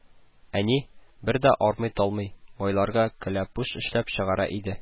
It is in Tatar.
Әни, бер дә армый-талмый, байларга кәләпүш эшләп чыгара иде